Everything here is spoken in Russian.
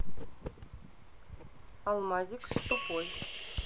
алмазик тупой